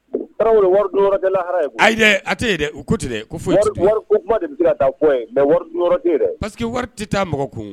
Ha a dɛ u taa paseke tɛ taa mɔgɔ kun